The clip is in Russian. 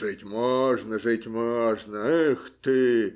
- Жить можно, жить можно. Эх, ты!